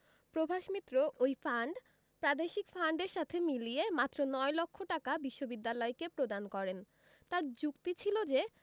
প্রভাস মিত্র ওই ফান্ড প্রাদেশিক ফান্ডের সাথে মিলিয়ে মাত্র নয় লক্ষ টাকা বিশ্ববিদ্যালয়কে প্রদান করেন তাঁর যুক্তি ছিল যে